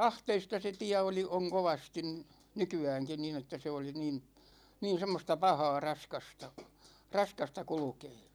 ahteista se tie oli on kovasti nykyäänkin niin että se oli niin niin semmoista pahaa raskasta raskasta kulkea